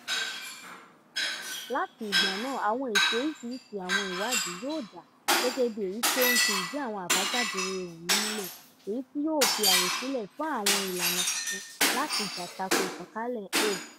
Láti ìgbà náà, àwọn èsì oríṣiríṣi àwọn ìwádìí yóò dà gẹ́gẹ́ bíi èyí tí ó ń fi ìdí àwọn àbájáde rere wọ̀nyí múlẹ̀, èyí tí yóò fi àyè sílẹ̀ fún àwọn ìlànà tuntun láti jà tako ìtànkálẹ̀ AIDS.